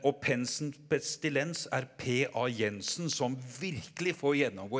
og er P.A. Jensen som virkelig får gjennomgå.